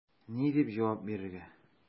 Ни дип җавап бирергә?